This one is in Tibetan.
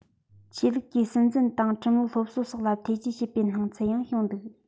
ཆོས ལུགས ཀྱིས སྲིད འཛིན དང ཁྲིམས ལུགས སློབ གསོ སོགས ལ ཐེ ཇུས བྱེད པའི སྣང ཚུལ ཡང བྱུང འདུག